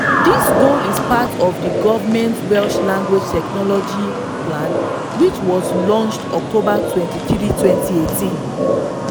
This goal is part of the government's Welsh Language Technology Action Plan, which was launched on October 23, 2018.